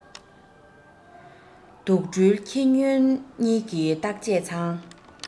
དུག སྦྲུལ ཁྱི སྨྱོན གཉིས ཀྱི བརྟག དཔྱད ཚང